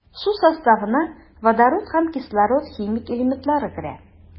Су составына водород һәм кислород химик элементлары керә.